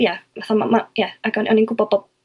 ia 'atha' ma' ia ag oni'n gw'bo bod